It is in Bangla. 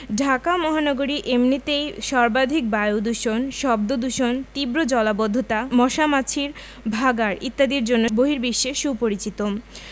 ঢাকা মহানগরী এমনিতেই সর্বাধিক বায়ুদূষণ শব্দদূষণ তীব্র জলাবদ্ধতা মশা মাছির ভাঁগাড় ইত্যাদির জন্য বহির্বিশ্বে সুপরিচিত